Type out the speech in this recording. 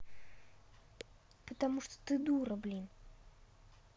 потому что ты дура блин